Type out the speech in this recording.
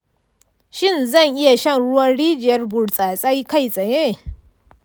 shin zan iya shan ruwan rijiyar burtsatse kai tsaye?